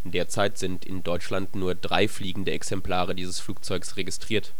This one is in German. Derzeit sind in Deutschland nur drei fliegende Exemplare dieses Flugzeuges registriert